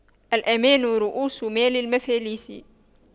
الأماني رءوس مال المفاليس